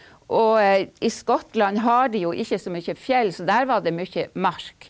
og i Skottland har de jo ikke så mye fjell, så der var det mye mark.